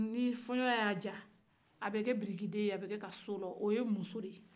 ni fiɲɛ y'a ja a bɛ kɛ bidikiden ye o bɛ kɛ ka so jɔ o ye muso ye